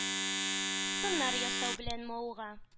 Сыннар ясау белән мавыга.